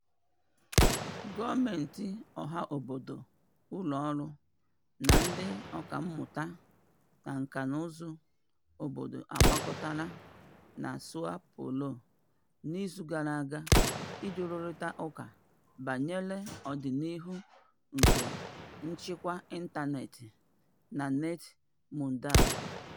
Gọọmenti, ọha obodo, ụlọọrụ, na ndị ọkàmmụta na nkànaụzụ obodo gbakọtara na Sao Paulo n'izu gara aga iji rụrịta ụka banyere ọdịnihu nke nchịkwa ịntanetị na NETmundial.